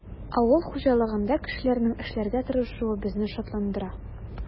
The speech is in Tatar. Авыл хуҗалыгында кешеләрнең эшләргә тырышуы безне шатландыра.